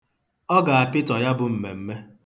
Ọ ga-apịtọ ya bụ mmemme.